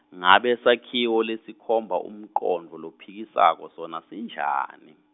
ngabe sakhiwo lesikhomba umcondvo lophikako sona sinjani?